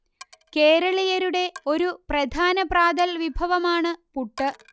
കേരളീയരുടെ ഒരു പ്രധാന പ്രാതൽ വിഭവമാണ് പുട്ട്